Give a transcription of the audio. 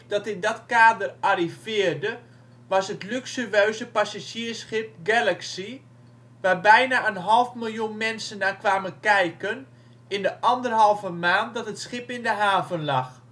kader arriveerde was het luxueuze passagiersschip Galaxy, waar bijna een half miljoen mensen naar kwamen kijken in de anderhalve maand dat het schip in de haven lag